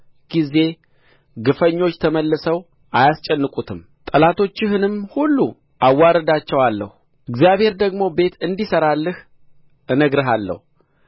ጊዜ ግፈኞች ተመልሰው አያስጨንቁትም ጠላቶችህንም ሁሉ አዋርዳቸዋለሁ እግዚአብሔር ደግሞ ቤት እንዲሠራልህ እነግርሃለሁ